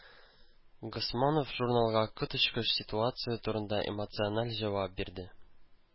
Госманов журналга коточкыч ситуация турында эмоциональ җавап бирде.